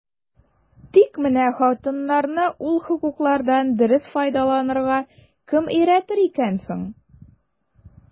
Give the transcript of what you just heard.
Тик менә хатыннарны ул хокуклардан дөрес файдаланырга кем өйрәтер икән соң?